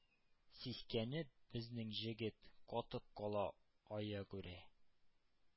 Сискәнеп, безнең Җегет катып кала аягүрә,